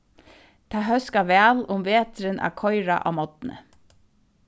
tað hóskar væl um veturin at koyra á morgni